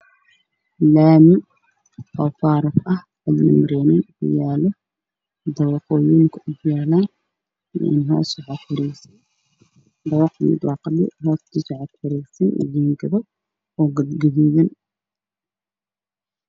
Waa guryo iyo magaalo aada u dhareer ah dabaqyo ah waxaad ku ag yaalo jiingado guduud ah